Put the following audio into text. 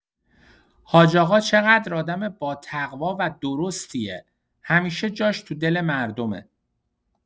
حاج‌آقا چقدر آدم باتقوا و درستیه، همیشه جاش تو دل مردمه!